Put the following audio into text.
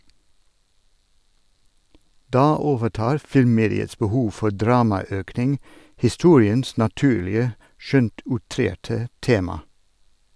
Da overtar filmmediets behov for dramaøkning historiens naturlige - skjønt outrerte - tema.